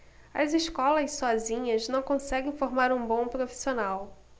as escolas sozinhas não conseguem formar um bom profissional